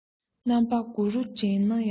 རྣམ པ དགུ རུ འདྲེན ན ཡང